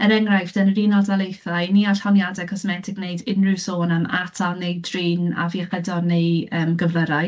Er enghraifft, yn yr Unol Daleithiau, ni all honiadau cosmetig wneud unrhyw sôn am atal neu drin afiechydon neu, yym, gyflyrau.